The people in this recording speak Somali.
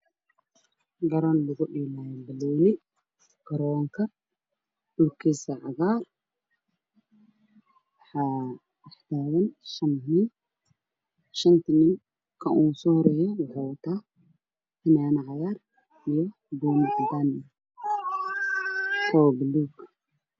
Een waxaa weeyo garoon ruugiisu cagaar yahay oo ay shan nin ku ciyaareyso ninka u soo horeeyo banoonigu wataa wuxuuna rabaa inuu ku darbeeyo goosha